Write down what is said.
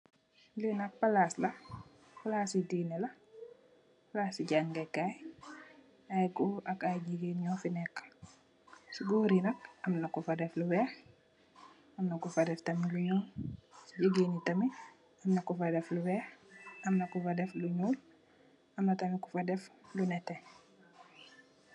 Lii nak plass la, plassi dinner la, plassi jangeh kaii, aiiy gorre ak aiiy gigain njur fii nek, cii gorre yii nak am na kufa deff lu wekh, amna kufa deff tamit lu njull, gigain yii tamit amna kufa deff lu wekh, amna kufa deff lu njull, amna tamit kufa deff lu nehteh.